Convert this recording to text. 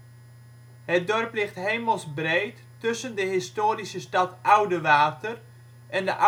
dorp ligt hemelsbreed tussen de historische stad Oudewater en de